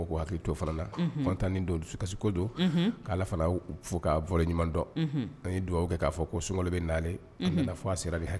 Mɔgɔw k'u hakili to o fana conent ko don dusukasi ko fana don, unhun, ka allah fana fo k'a waleɲuman don, unhun,, an ye dugawu kɛɛ k'a fɔ ko sunkolo bɛ'nalen, unhun fɔ a sera nin hakɛ